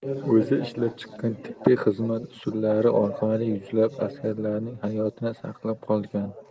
o'zi ishlab chiqqan tibbiy xizmat usullari orqali yuzlab askarlarning hayotini saqlab qolgan